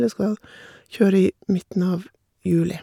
Jeg skal jo kjøre i midten av juli.